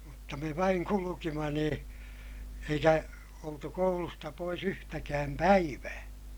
mutta me vain kuljimme niin eikä oltu koulusta pois yhtäkään päivää